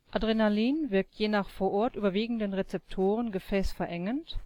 Adrenalin wirkt je nach vor Ort überwiegenden Rezeptoren gefäßverengend